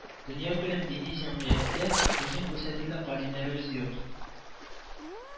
Дөньякүләм дини җәмгыятьтә үзен күрсәтерлек галимнәребез юк